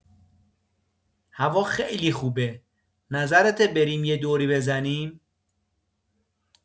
هوا خیلی خوبه، نظرته بریم یه دوری بزنیم؟